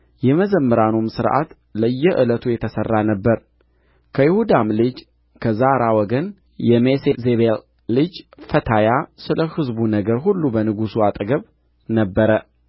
የመዘምራኑም ሥርዓት ለየዕለቱ የተሠራ ነበረ ከይሁዳም ልጅ ከዛራ ወገን የሜሴዜቤል ልጅ ፈታያ ስለ ሕዝቡ ነገር ሁሉ በንጉሡ አጠገብ ነበረ